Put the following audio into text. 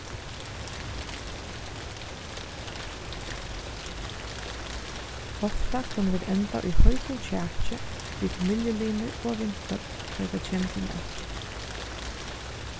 ofta kunnu vit enda í heitum kjaki við familjulimir og vinfólk tá ið tað kemur til mat